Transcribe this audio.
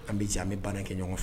An bɛ jan an bɛ ban kɛ ɲɔgɔn fɛ